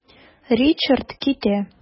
Ричард китә.